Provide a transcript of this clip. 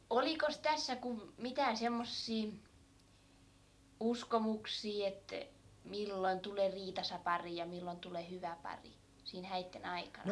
olikos tässä kun mitään semmoisia uskomuksia että milloin tulee riitaisa pari ja milloin tulee hyvä pari siinä häiden aikana